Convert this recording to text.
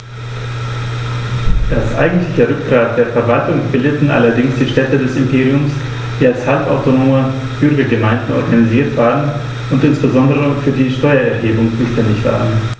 Das eigentliche Rückgrat der Verwaltung bildeten allerdings die Städte des Imperiums, die als halbautonome Bürgergemeinden organisiert waren und insbesondere für die Steuererhebung zuständig waren.